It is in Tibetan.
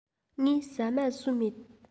ངས ཟ མ ཟོས མེད